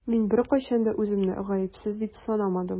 Мин беркайчан да үземне гаепсез дип санамадым.